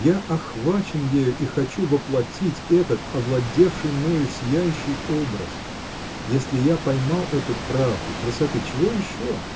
Я охвачен ею и хочу воплотить этот овладевший мною сияющий образ: если я поймал эту “правду” красоты — чего еще?